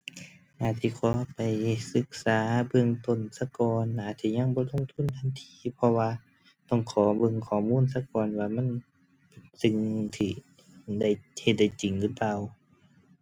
อาจสิขอไปศึกษาเบื้องต้นซะก่อน อาจสิยังบ่ลงทุนทันที เพราะว่าต้องขอเบิ่งข้อมูลซะก่อนว่ามันสิ่งที่ได้ เฮ็ดได้จริงหรือเปล่า